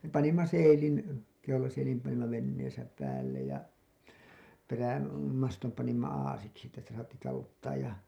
me panimme seilin keulaseilin panimme veneessä päälle ja - perämaston panimme aasiksi että sitä saatiin taluttaa ja